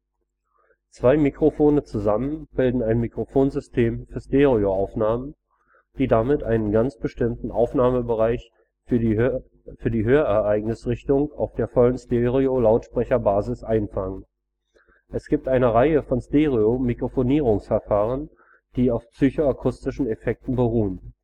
Zwei Mikrofone zusammen bilden ein Mikrofonsystem für Stereoaufnahmen, die damit einen ganz bestimmten Aufnahmebereich für die Hörereignisrichtung auf der vollen Stereo-Lautsprecherbasis einfangen. Es gibt eine Reihe von Stereo-Mikrofonierungsverfahren, die auf psychoakustischen Effekten beruhen